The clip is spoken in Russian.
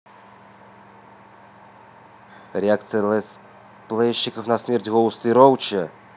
реакция летсплейщиков на смерть гоуста и роуча